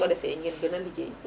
su ko defee ngeen gën a liggéey